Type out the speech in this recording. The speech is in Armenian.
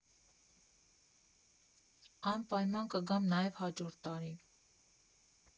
Անպայման կգամ նաև հաջորդ տարի։